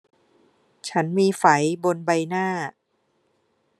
ฉันมีไฝบนใบหน้า